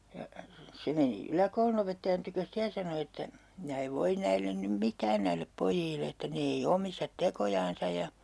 ja se meni yläkoulunopettajan tykö sitten ja sanoi että minä en voi näille nyt mitään näille pojille että ne ei omista tekojansa ja